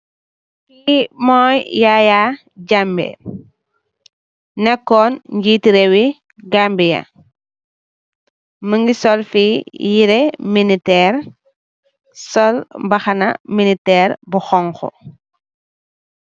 Li moy yaya jammeh nekon njeeti rewmi munge sul yereh militer bu xhong khu